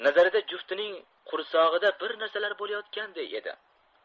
nazarida juftining qursog'ida bir narsalar bo'layotganday edi